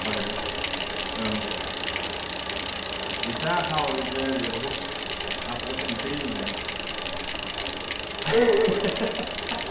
ókey í dag hava vit verið og hugt at øllum bilunum